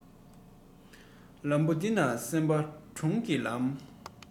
ལམ བུ འདི ནི སེམས པ དྲུང གི ལམ